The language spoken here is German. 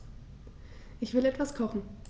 Ich will etwas kochen.